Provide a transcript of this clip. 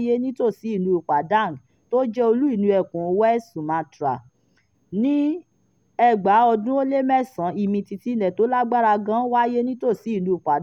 West Sumatra.